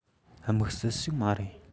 དམིགས བསལ ཞིག མ རེད